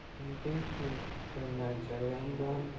impichmentda na jarayon bilan